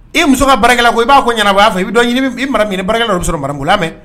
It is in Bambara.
I muso ka barakɛ la i b'a ko ɲɛna'a fɛ i bɛ ɲini ɲini barakɛ la o bɛ sɔrɔ barala mɛn